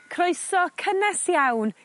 Croeso cynnes iawn...